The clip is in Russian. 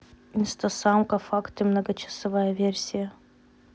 инстасамка факты многочасовая версия